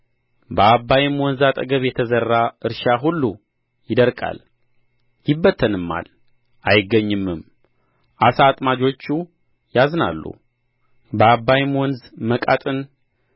በዓባይም ወንዝ አጠገብ የተዘራ እርሻ ሁሉ ይደርቃል ይበተንማል አይገኝምም ዓሣ አጥማጆቹ ያዝናሉ በዓባይም ወንዝ መቃጥን